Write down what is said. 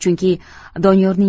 chunki doniyorning